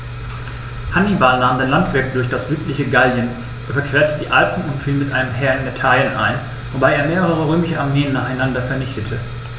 Hannibal nahm den Landweg durch das südliche Gallien, überquerte die Alpen und fiel mit einem Heer in Italien ein, wobei er mehrere römische Armeen nacheinander vernichtete.